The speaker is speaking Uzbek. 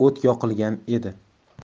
o't yoqilgan edi